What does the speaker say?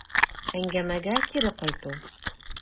Әңгәмәгә кире кайту.